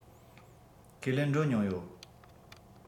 ཁས ལེན འགྲོ མྱོང ཡོད